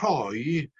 rhoi